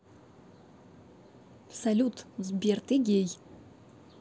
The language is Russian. салют сбер ты гей